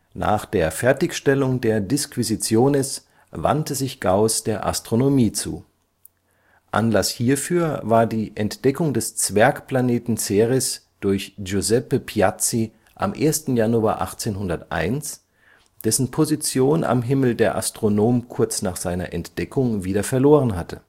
Nach der Fertigstellung der Disquisitiones wandte sich Gauß der Astronomie zu. Anlass hierfür war die Entdeckung des Zwergplaneten Ceres durch Giuseppe Piazzi am 1. Januar 1801, dessen Position am Himmel der Astronom kurz nach seiner Entdeckung wieder verloren hatte